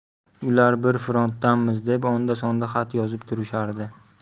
ular biz frontdamiz deb onda sonda xat yozib turishardi